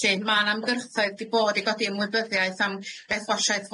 lle ma' 'na ymgyrchoedd 'di bod i godi ymwybyddiaeth am gaethwashiaeth